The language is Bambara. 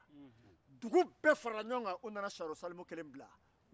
dugu bɛɛ farala ɲɔgɔn kan ka na siyanro salimu kelen bila